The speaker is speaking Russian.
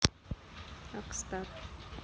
akstar